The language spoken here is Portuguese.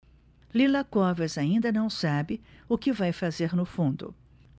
lila covas ainda não sabe o que vai fazer no fundo